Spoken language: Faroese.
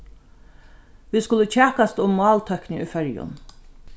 vit skuldu kjakast um máltøkni í føroyum